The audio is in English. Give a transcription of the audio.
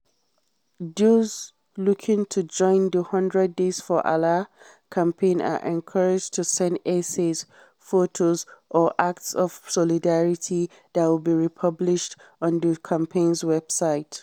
Those looking to join the "100 days for Alaa" campaign are encouraged to send "essays, photos or acts of solidarity" that will be republished on the campaign's website: